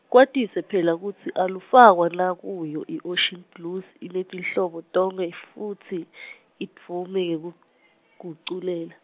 kwatise phela kutsi alufakwa nakuyo i- Ocean Blues inetinhlobo tonkhe ifutsi, idvume ngekuguculela.